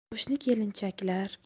qo'shni kelinchaklar